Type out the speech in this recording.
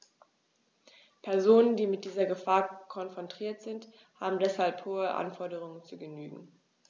Personen, die mit dieser Gefahr konfrontiert sind, haben deshalb hohen Anforderungen zu genügen.